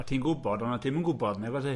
O' ti'n gwybod ond oedd ti'm yn gwybod nebwyt ti?